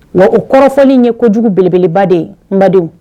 Wa o kɔrɔfɔli ye kojugu belebeleba de ye n ba don